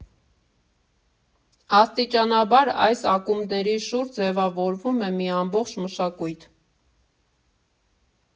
Աստիճանաբար այս ակումբների շուրջ ձևավորվում է մի ամբողջ մշակույթ։